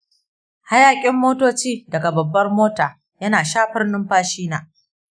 hayakin motoci daga babbar hanya yana shafar numfashina.